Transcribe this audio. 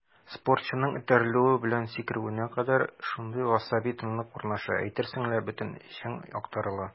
Спортчының этәрелүе белән сикерүенә кадәр шундый гасаби тынлык урнаша, әйтерсең лә бөтен эчең актарыла.